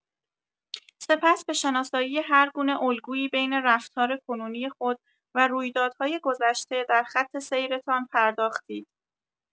سپس به شناسایی هرگونه الگویی بین رفتار کنونی خود و رویدادهای گذشته در خط سیرتان پرداختید.